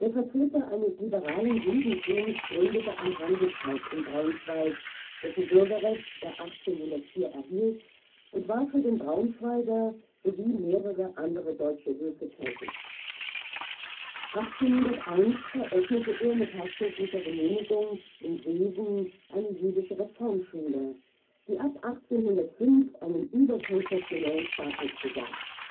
Vertreter eines liberalen Judentums gründete ein Handelshaus in Braunschweig, dessen Bürgerrecht er 1804 erhielt, und war für den Braunschweiger sowie mehrere andere deutsche Höfe tätig. 1801 eröffnete er mit herzoglicher Genehmigung in Seesen eine jüdische Reformschule, die ab 1805 einen überkonfessionellen Status besaß